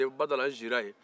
n sira bada la